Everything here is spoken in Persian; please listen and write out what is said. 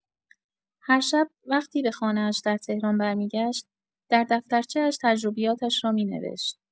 هر شب، وقتی به خانه‌اش در تهران برمی‌گشت، در دفترچه‌اش تجربیاتش را می‌نوشت.